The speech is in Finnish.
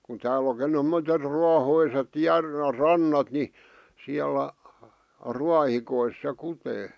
kun täälläkin on semmoiset ruohoiset järven rannat niin siellä ruohikoissa se kutee